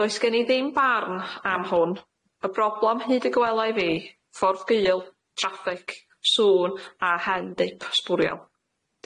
Does gen i ddim barn am hwn y broblam hyd y gwela i fi ffordd gul traffig sŵn a hen dip sbwriel.